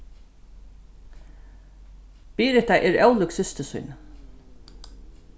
birita er ólík systur síni